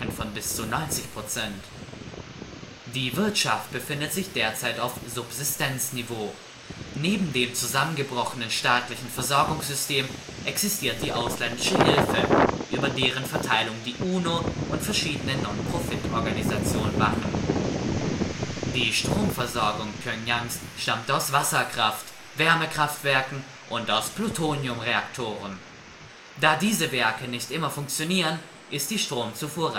von bis zu 90 Prozent. Die Wirtschaft befindet sich derzeit auf Subsistenzniveau. Neben dem zusammengebrochenen staatlichen Versorgungssystem existiert die ausländische Hilfe, über deren Verteilung die UNO und verschiedene Non-Profit-Organisationen wachen. Die Stromversorgung Pjöngjangs stammt aus Wasserkraft, Wärmekraftwerken und aus Plutoniumreaktoren. Da diese Werke nicht immer funktionieren, ist die Stromzufuhr rationiert